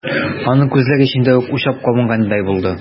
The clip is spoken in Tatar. Аның күзләр эчендә учак кабынгандай булды.